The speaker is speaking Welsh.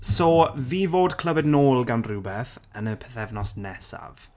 So fi fod clywed nôl gan rhywbeth yn y pythefnos nesaf.